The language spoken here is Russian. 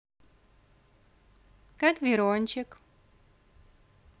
как верончик